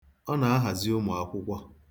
Ọ na-ahazi ụmụakwụkwọ.